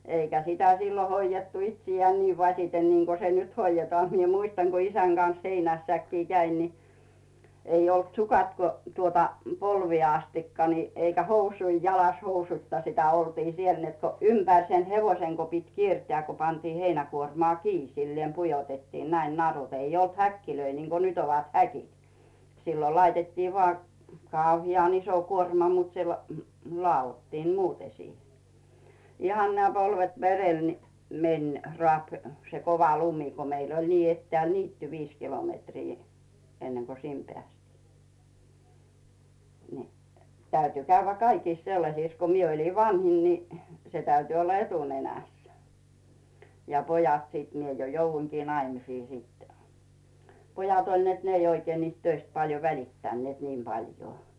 eikä sitä silloin hoidettu itseään niin vasiten niin kuin se nyt hoidetaan minä muistan kun isän kanssa heinässäkin kävin niin ei ollut sukat kuin tuota polviin asti niin eikä housuja jalassa housuitta sitä oltiin siellä että kun ympäri sen hevosen kun piti kiertää kun pantiin heinäkuormaa kiinni sillä lailla pujotettiin näin narut ei ollut häkkejä niin kuin nyt ovat häkit silloin laitettiin vain kauhean iso kuorma mutta se - ladottiin muuten siihen ihan nämä polvet verellä niin meni raapi se kova lumi kun meillä oli niin etäällä niitty viisi kilometriä ennen kuin sinne päästiin niin täytyi käydä kaikissa sellaisissa kun minä olin vanhin niin se täytyi olla etunenässä ja pojat sitten minä jo jouduinkin naimisiin sitten pojat oli että ne ei oikein niistä töistä paljon välittäneet niin paljon